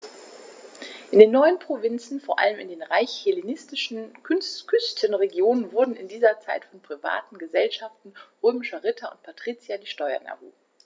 In den neuen Provinzen, vor allem in den reichen hellenistischen Küstenregionen, wurden in dieser Zeit von privaten „Gesellschaften“ römischer Ritter und Patrizier die Steuern erhoben.